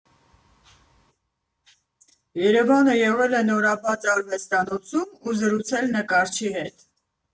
ԵՐԵՎԱՆը եղել է նորաբաց արվեստանոցում ու զրուցել նկարչի հետ։